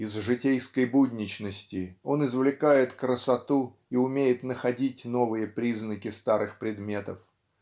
Из житейской будничности он извлекает красоту и умеет находить новые признаки старых предметов.